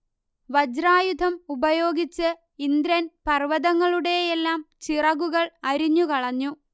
വജ്രായുധം ഉപയോഗിച്ച് ഇന്ദ്രൻ പർവ്വതങ്ങളുടെയെല്ലാം ചിറകുകൾ അരിഞ്ഞുകളഞ്ഞു